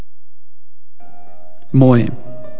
مويه